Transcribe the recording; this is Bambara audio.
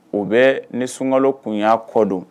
O bɛ ni sunkalo kun y'a kɔ don